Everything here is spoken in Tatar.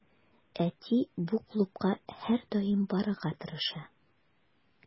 Әти бу клубка һәрдаим барырга тырыша.